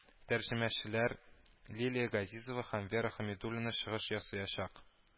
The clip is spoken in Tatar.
Тәрҗемәчеләр лилия газизова һәм вера хәмидуллина чыгыш ясаячак